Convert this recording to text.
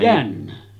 jänne